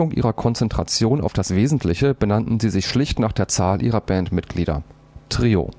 ihrer Konzentration auf das Wesentliche benannten sie sich schlicht nach der Zahl ihrer Bandmitglieder: Trio